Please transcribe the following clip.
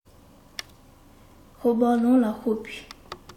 ཤོ སྦག ལང ལ ཤོར པའི